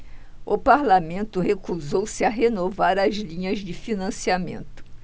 o parlamento recusou-se a renovar as linhas de financiamento